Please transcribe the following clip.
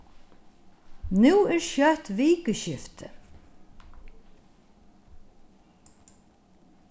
nú er skjótt vikuskifti